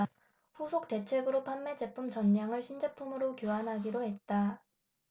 후속 대책으로 판매 제품 전량을 신제품으로 교환하기로 했다